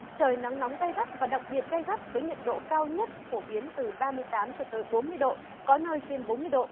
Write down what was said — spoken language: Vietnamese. trời nắng nóng gay gắt và đặc biệt gay gắt với nhiệt độ cao nhất phổ biến từ ba mươi tám cho tới bốn mươi độ có nơi trên bốn mươi độ